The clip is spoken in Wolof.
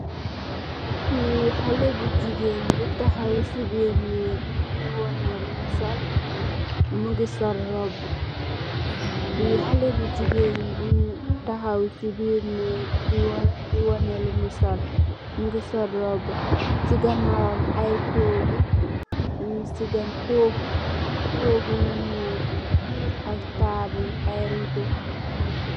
Bi xale bu jigeen bu taxaw si birr neeg di wonex lum sol mogi sol roba bi xale bu jigeen bu taxaw si birr neeg di wonex lum sol mogi sol roba si ganaw ay togu nyun si ga togu togu yu nuul ay redo.